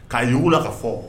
K'a y'ugula ka fɔ